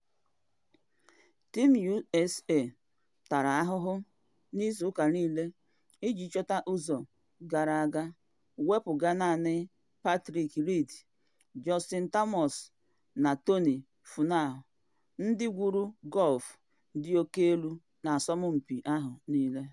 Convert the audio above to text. Team USA tara ahụhụ n’izu ụka niile iji chọta ụzọ gara aga wepuga naanị Patrick Reed, Justin Thomas na Tony Finau, ndị gwuru gọlfụ dị oke elu na asọmpi ahụ niile.